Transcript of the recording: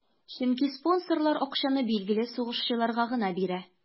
Чөнки спонсорлар акчаны билгеле сугышчыларга гына бирә.